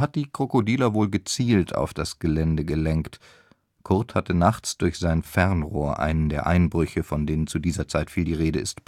die Krokodiler wohl gezielt auf das Gelände gelenkt – Kurt hatte nachts durch sein Fernrohr einen der Einbrüche beobachtet, von denen zu dieser Zeit viel die Rede ist